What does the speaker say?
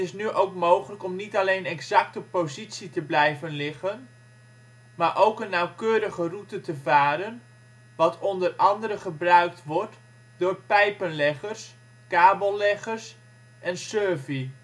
nu ook mogelijk om niet alleen exact op positie te blijven liggen, maar ook een nauwkeurige route te varen, wat onder andere gebruikt wordt door pijpenleggers, kabelleggers en survey